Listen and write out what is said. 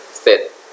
เสร็็จ